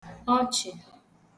ọchị̀